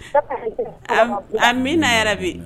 Amina yarabi